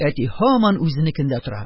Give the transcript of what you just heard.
Әти һаман үзенекендә тора: